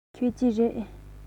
མཆོད ཀྱི རེད